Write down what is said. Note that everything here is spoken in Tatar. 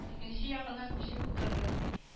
—икенче ягына күчеп утырды